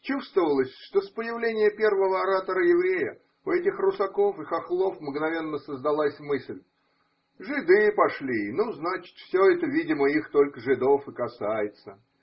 чувствовалось, что с появления первого оратора-еврея у этих русаков и хохлов мгновенно создалась мысль: жиды пошли – ну, значит, все это, видимо, их только, жидов, и касается.